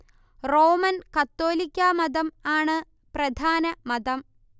Roman കത്തോലിക്കാ മതം ആണ് പ്രധാന മതം